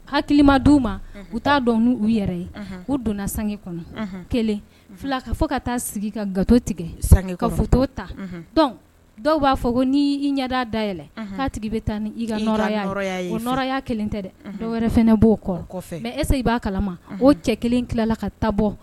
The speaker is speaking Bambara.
Hakililima di' u ma u t'a dɔn n u yɛrɛ ye u donna san kɔnɔ kelen fila ka fɔ ka taa sigi ka gato tigɛ ka futa ta dɔn dɔw b'a fɔ ko n'i y'i ɲɛ' dayɛlɛn ka tigi bɛ taa ni i kaɔrɔya oɔrɔya kelen tɛ dɛ dɔw wɛrɛ fana b'o kɔrɔ kɔfɛ mɛ ese i b'a kalama o cɛ kelen tilala ka taa bɔ